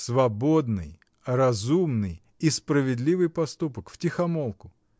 — Свободный, разумный и справедливый поступок — втихомолку!